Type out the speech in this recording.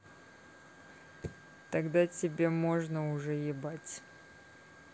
тогда тебе можно уже ебать